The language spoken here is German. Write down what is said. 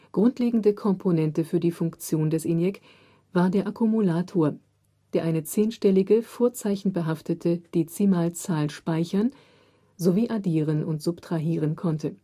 Grundlegende Komponente für die Funktion des ENIAC war der Akkumulator, der eine 10-stellige vorzeichenbehaftete Dezimalzahl speichern sowie addieren und subtrahieren konnte